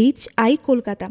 H I Kolkata